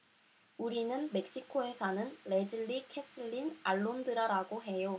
우리는 멕시코에 사는 레즐리 케슬린 알론드라라고 해요